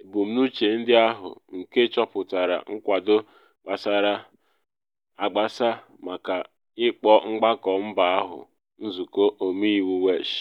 ebumnuche ndị ahụ nke chọpụtara nkwado gbasara agbasa maka ịkpọ mgbakọ mba ahụ Nzụkọ Ọmeiwu Welsh.